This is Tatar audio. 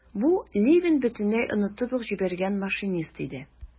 Бу - Левин бөтенләй онытып ук җибәргән машинист иде.